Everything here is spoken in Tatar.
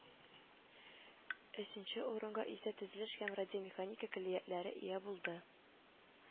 Өченче урынга исә төзелеш һәм радиомеханика көллиятләре ия булды